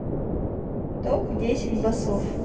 топ десять басов